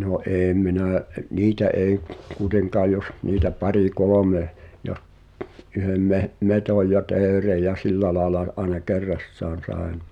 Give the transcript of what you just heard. no en minä - niitä ei kuitenkaan jos niitä pari kolme ja yhden - metson ja teeren ja sillä lailla - aina kerrassaan sain